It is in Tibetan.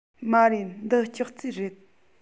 མ རེད འདི ཅོག ཙེ རེད